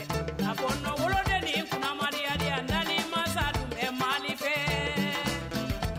A ko wolosoninsonin kumamaya tan ni ma sa tile maɔni fɛ